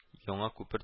Яңа күпер